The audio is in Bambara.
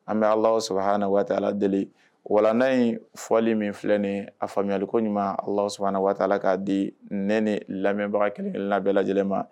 An bɛ ala saba na waati deli wala n'a in fɔli min filɛ nin a faamuyamuyali ko ɲuman waala k'a di ne ni lamɛnbaga kelen labɛn lajɛlen ma